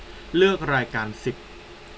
เลือกรายการสิบ